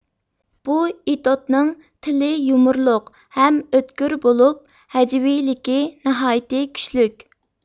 بۇ ئېتوتنىڭ تىلى يۇمۇرلۇق ھەم ئۆتكۈر بولۇپ ھەجۋىيلىكى ناھايىتى كۈچلۈك